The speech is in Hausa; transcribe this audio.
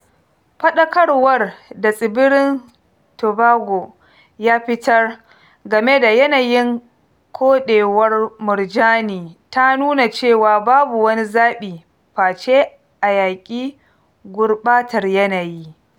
Faɗakarwar da tsibirin Tobago ya fitar game da yanayin koɗewar murjani ta nuna cewa 'babu wani zaɓi' face a yaƙi gurɓatar yanayi.